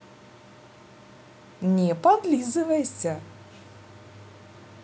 не подлизывайся